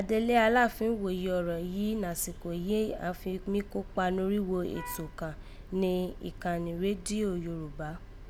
Adelé Aláàfin wòye ọ̀rọ̀ yìí nàsìkò yìí ó mí kópá norígho ètò kàn ni ìkànnì rédíò Yorùbá